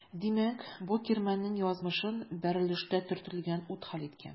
Димәк бу кирмәннең язмышын бәрелештә төртелгән ут хәл иткән.